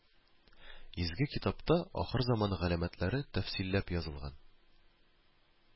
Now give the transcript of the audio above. Изге китапта ахыр заман галәмәтләре тәфсилләп язылган